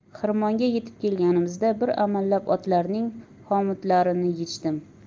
xirmonga yetib kelganimizda bir amallab otlarning xomutlarini yechdim